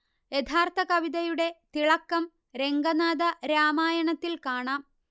യഥാർഥ കവിതയുടെ തിളക്കം രംഗനാഥ രാമായണത്തിൽ കാണാം